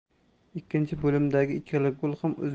ikkinchi bo'limdagi ikkala gol ham